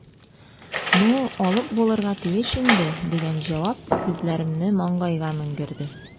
"ну, алып булырга тиеш инде", – дигән җавап күзләремне маңгайга менгерде.